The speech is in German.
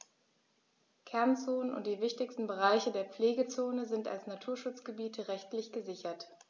Kernzonen und die wichtigsten Bereiche der Pflegezone sind als Naturschutzgebiete rechtlich gesichert.